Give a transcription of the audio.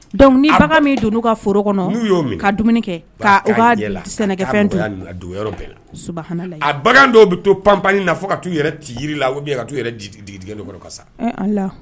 Dɔnku ni bagan min donna ka foro kɔnɔ n'u y' ka dumuni kɛ sɛnɛ bɛɛ a bagan dɔw bɛ to panp ka'u yɛrɛ ci jiri la u ka ka sa